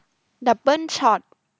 ดับเบิ้ลช็อต